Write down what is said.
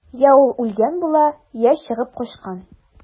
Йә ул үлгән була, йә чыгып качкан.